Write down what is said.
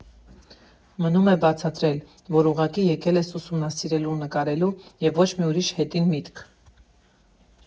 Մնում է բացատրել, որ ուղղակի եկել ես ուսումնասիրելու, նկարելու և ոչ մի ուրիշ հետին միտք։